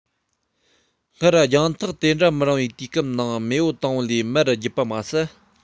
སྔར རྒྱང ཐག དེ འདྲ མི རིང བའི དུས སྐབས ནང མེས པོ དང པོ ལས མར བརྒྱུད པ མ ཟད